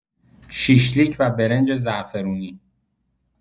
شیشلیک و برنج زعفرونی